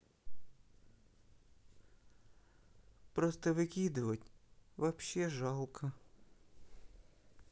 просто выкидывать вообще жалко